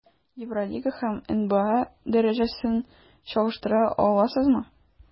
Евролига һәм НБА дәрәҗәсен чагыштыра аласызмы?